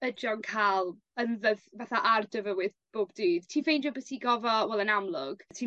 ydi o'n ca'l yn fydd- fatha ar dy fywyd bob dydd? Ti'n ffeindio bydd ti go'fo' wel yn amlwg ti